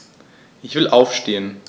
Ich will aufstehen.